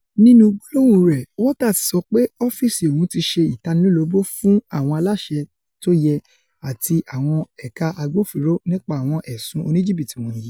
nínú gbólóhùn rẹ̀, Waters sọ pé ọ́fíìsì òun ti ṣe ìtanilóbo fún ''àwọn aláṣẹ tóyẹ àti àwọn ẹ̀ka agbófinró nípa àwọn ẹ̀sùn oníjìbìtì wọ̀nyí.